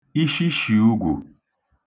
ishishìugwù